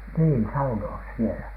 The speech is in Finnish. niin saunoa siellä